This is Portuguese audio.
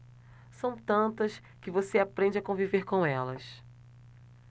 são tantas que você aprende a conviver com elas